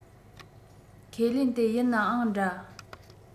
ཁས ལེན དེ ཡིན ནའང འདྲ